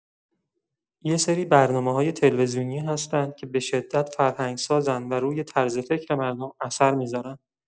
یه سری برنامه‌‌های تلویزیونی هستن که به‌شدت فرهنگ‌سازن و روی طرز فکر مردم اثر می‌ذارن.